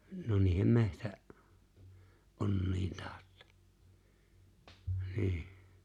no niiden - metsäonnien tautta niin